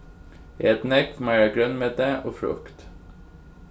et nógv meira grønmeti og frukt